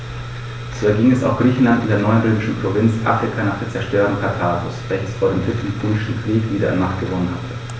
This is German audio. So erging es auch Griechenland und der neuen römischen Provinz Afrika nach der Zerstörung Karthagos, welches vor dem Dritten Punischen Krieg wieder an Macht gewonnen hatte.